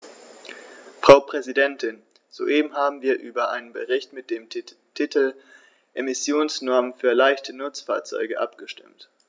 Frau Präsidentin, soeben haben wir über einen Bericht mit dem Titel "Emissionsnormen für leichte Nutzfahrzeuge" abgestimmt.